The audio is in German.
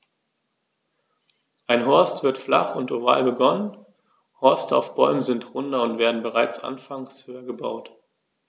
Ein Horst wird flach und oval begonnen, Horste auf Bäumen sind runder und werden bereits anfangs höher gebaut.